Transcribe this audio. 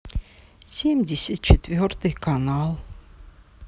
семьдесят четвертый канал